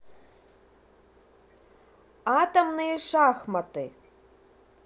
атомные шахматы